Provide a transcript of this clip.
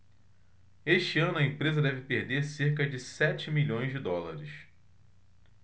este ano a empresa deve perder cerca de sete milhões de dólares